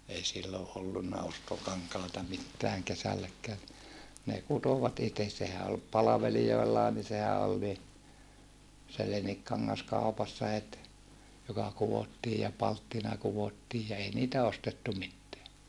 ei silloin ollut ostokankaita mitään kesälläkään niin ne kutoivat itse sehän oli palvelijoillakin niin sehän oli niin se leninkikangas kaupassa heti joka kudottiin ja palttina kudottiin ja ei niitä ostettu mitään